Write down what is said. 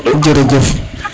jerejef